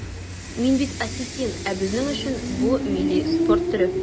Мин бит осетин, ә безнең өчен бу милли спорт төре.